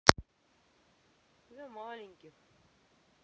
для маленьких